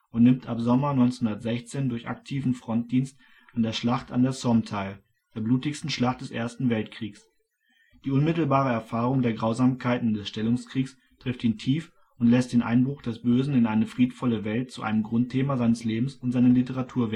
nimmt ab Sommer 1916 durch aktiven Frontdienst an der Schlacht an der Somme teil, der blutigsten Schlacht des Ersten Weltkrieges. Die unmittelbare Erfahrung der Grausamkeiten des Stellungskrieges trifft ihn tief und lässt den Einbruch des Bösen in eine friedvolle Welt zu einem Grundthema seines Lebens und seiner Literatur werden